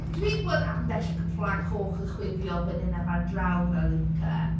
Dwi’n gweld ambell fflag coch yn chwifio fan hyn a fan draw gyda Luca.